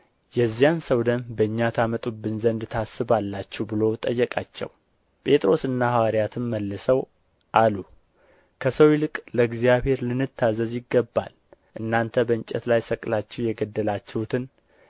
የዚያንም ሰው ደም በእኛ ታመጡብን ዘንድ ታስባላችሁ ብሎ ጠየቃቸው ጴጥሮስና ሐዋርያትም መልሰው አሉ ከሰው ይልቅ ለእግዚአብሔር ልንታዘዝ ይገባል እናንተ በእንጨት ላይ ሰቅላችሁ የገደላችሁትን